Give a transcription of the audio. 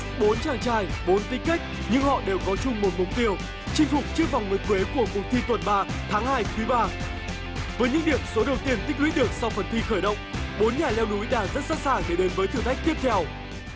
bốn chàng trai bốn tính cách nhưng họ đều có chung một mục tiêu chinh phục chiếc vòng nguyệt quế của cuộc thi tuần ba tháng hai quý ba với những điểm số đầu tiên tích lũy được sau phần thi khởi động bốn nhà leo núi đang rất sẵn sàng để đến với thử thách tiếp theo